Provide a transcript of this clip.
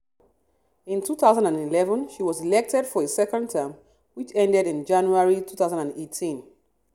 In 2011, she was re-elected for a second term, which ended in January 2018.